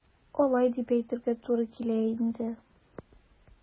Алай дип әйтергә туры килә инде.